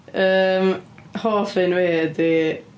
Yym hoff un fi ydy...